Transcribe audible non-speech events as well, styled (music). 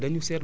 (hesitation) (hesitation)